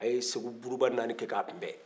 a ye segu buruba naani kɛ k'a kun bɛn